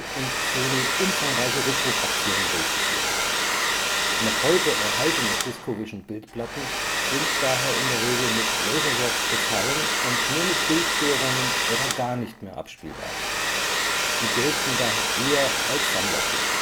und Sony umfangreiche Rückrufaktionen durchgeführt. Noch heute erhaltene DiscoVision-Bildplatten sind daher in der Regel mit „ laser rot “befallen und nur mit Bildstörungen oder gar nicht mehr abspielbar. Sie gelten daher eher als Sammlerstücke